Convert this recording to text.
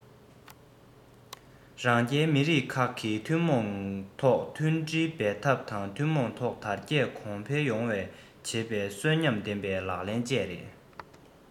རང རྒྱལ མི རིགས ཁག གིས ཐུན མོང ཐོག མཐུན སྒྲིལ འབད འཐབ དང ཐུན མོང ཐོག དར རྒྱས གོང འཕེལ ཡོང བ བྱེད པའི གསོན ཉམས ལྡན པའི ལག ལེན བཅས རེད